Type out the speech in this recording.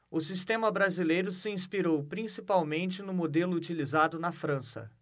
o sistema brasileiro se inspirou principalmente no modelo utilizado na frança